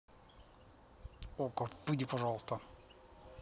okko выйди пожалуйста